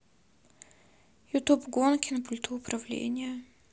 ютуб гонки на пульту управления